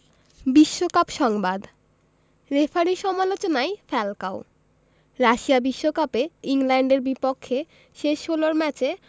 বিশ্বকাপ সংবাদ রেফারির সমালোচনায় ফ্যালকাও রাশিয়া বিশ্বকাপে ইংল্যান্ডের বিপক্ষে শেষ ষোলোর ম্যাচে